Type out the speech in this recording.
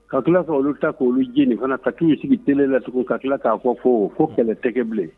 Ka kila ka olu ta ka olu jeni f fana ka tu sigi télé la tugun ka kila ka fɔ ko, ko kɛlɛ tɛ kɛ bilen